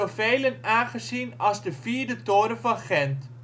velen aangezien als de vierde toren van Gent